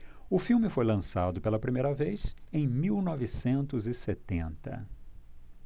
o filme foi lançado pela primeira vez em mil novecentos e setenta